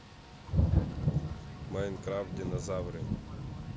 майнкрафт динозавры